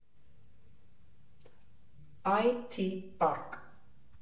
«Այ Թի Պարկ».